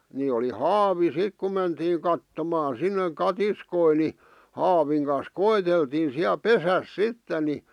niin oli haavi sitten kun mentiin kattomaan sinne katiskoja niin haavin kanssa koeteltiin siellä pesässä sitten niin